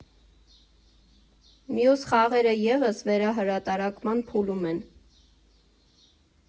Մյուս խաղերը ևս վերահրատարակման փուլում են։